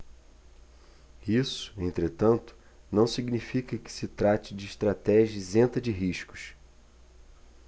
isso entretanto não significa que se trate de estratégia isenta de riscos